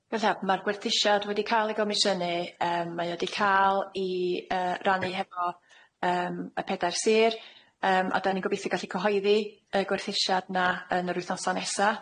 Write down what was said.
Gallaf, ma'r gwerthusiad wedi ca'l ei gomisiynu, yym mae o 'di ca'l i yy rannu hefo yym y pedair sir, yym a 'dan ni'n gobitho gallu cyhoeddi y gwerthusiad 'na yn yr wythnosa nesa.